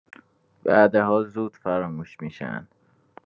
وعده‌ها زود فراموش می‌شن.